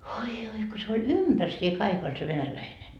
oi oi kun se oli ympärsiin kaikki oli se venäläinen